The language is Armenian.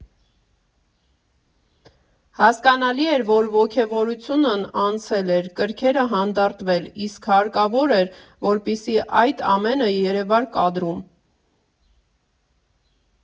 Հասկանալի էր, որ ոգևորությունն անցել էր, կրքերը՝ հանդարտվել, իսկ հարկավոր էր, որպեսզի այդ ամենը երևար կադրում։